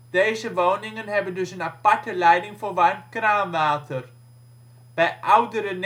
Deze woningen hebben dus een aparte leiding voor warm kraanwater. Bij oudere netwerken